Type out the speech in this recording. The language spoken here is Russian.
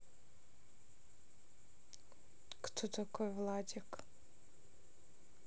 кто такой владик